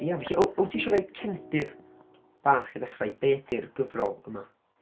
Ia, felly, w- wyt ti isio rhoi cefndir bach i ddechrau, be ydy'r gyfrol yma?